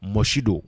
Mɔsi don